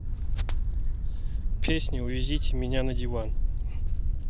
песня увезите меня на диван